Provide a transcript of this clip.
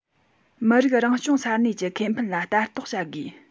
མི རིགས རང སྐྱོང ས གནས ཀྱི ཁེ ཕན ལ ལྟ རྟོག བྱ དགོས